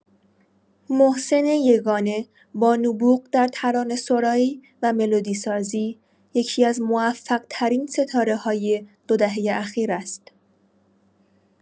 محسن یگانه با نبوغ در ترانه‌سرایی و ملودی‌سازی، یکی‌از موفق‌ترین ستاره‌های دو دهه اخیر است.